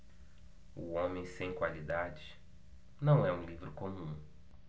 o homem sem qualidades não é um livro comum